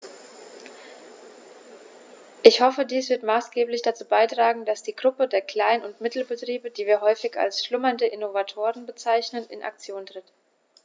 Ich hoffe, dies wird maßgeblich dazu beitragen, dass die Gruppe der Klein- und Mittelbetriebe, die wir häufig als "schlummernde Innovatoren" bezeichnen, in Aktion tritt.